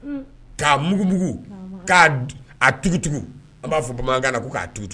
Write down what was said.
Un. K'a mugumugu. K'a magaya. k'a a tugutugu, an b'a fɔ bamanankan ko k'a